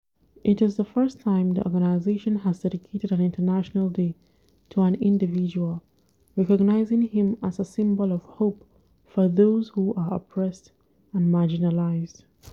It is the first time the organisation has dedicated an international day to an individual, recognising him as a symbol of hope for those who are oppressed and marginalised.